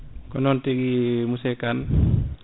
ko non tigui monsieur Kane